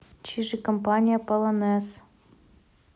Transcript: чиж и компания полонез